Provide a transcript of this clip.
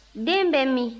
den bɛ min